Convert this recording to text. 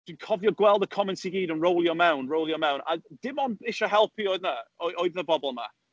Dwi'n cofio gweld y comments i gyd yn rowlio mewn, rowlio mewn, a dim ond isie helpu oedd y oedd oedd 'na bobl 'ma.